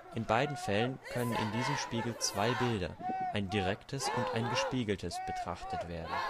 In beiden Fällen können in diesem Spiegel zwei Bilder, ein direktes und ein gespiegeltes, betrachtet werden